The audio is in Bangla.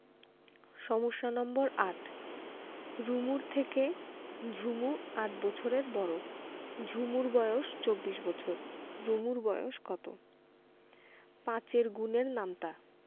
সমস্যা নম্বর ৮ রুমুর থেকে ঝুমু ৮ বছরের বড় ঝুমুর বয়স ২৪ বছর রুমুর বয়স কত ৫ এর গুণের নামতা